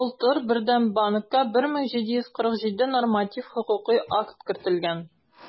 Былтыр Бердәм банкка 1747 норматив хокукый акт кертелгән.